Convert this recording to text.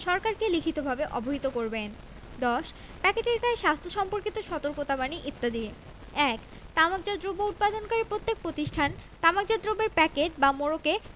সরকারকে লিখিতভাবে অবহিত করিবেন ১০ প্যাকেটের গায়ে স্বাস্থ্য সম্পর্কিত সতর্কবাণী ইত্যাদিঃ ১ তামাকজাত দ্রব্য উৎপাদনকারী প্রত্যক প্রতিষ্ঠান তামাকজাত দ্রব্যের প্যাকেট বা মোড়কে